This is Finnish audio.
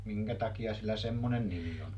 minkä takia sillä semmoinen nimi on